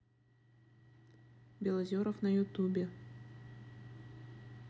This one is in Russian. белозеров на ютубе